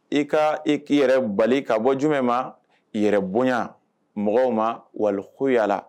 I kaa i k'i yɛrɛ bali ka bɔ jumɛn ma yɛrɛ boɲa mɔgɔw ma walkuyala